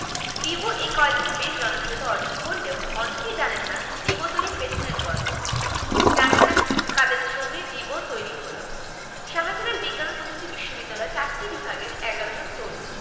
রিবো এই কয়দিনে বেশ জনপ্রিয়তা অর্জন করলেও অনেকেই জানেন না রিবো তৈরির পেছনের গল্প জানেন না কাদের শ্রমে রিবো তৈরি হলো শাহজালাল বিজ্ঞান ও প্রযুক্তি বিশ্ববিদ্যালয়ের চারটি বিভাগের ১১ জন তরুণ